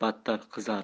dedi battar qizarib